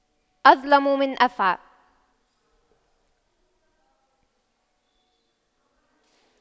أظلم من أفعى